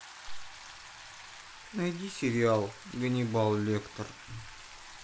найди сериал ганнибал лектор